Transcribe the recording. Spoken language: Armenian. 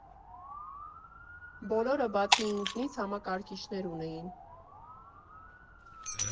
Բոլորը, բացի ինձնից, համակարգիչներ ունեին։